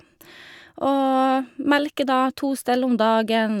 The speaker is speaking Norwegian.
Og melker da to stell om dagen.